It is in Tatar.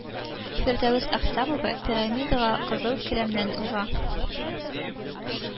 Фирдәвес Әхтәмова Пирамида га кызыл келәмнән уза